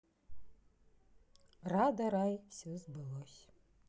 рада рай все сбылось